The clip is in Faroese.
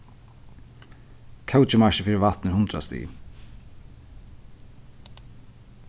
kókimarkið fyri vatn er hundrað stig